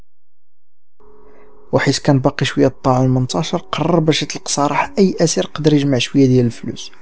وحش كان باقي شويه طالع المنتصر قرب شكلك صالح اي ازرق دجاج مشوي الفلوس